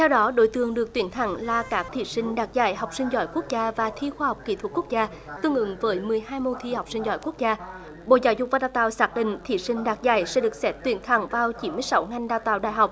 theo đó đối tượng được tuyển thẳng là các thí sinh đạt giải học sinh giỏi quốc gia và thi khoa học kỹ thuật quốc gia tương ứng với mười hai môn thi học sinh giỏi quốc gia bộ giáo dục và đào tạo xác định thí sinh đạt giải sẽ được xét tuyển thẳng vào chín mươi sáu ngành đào tạo đại học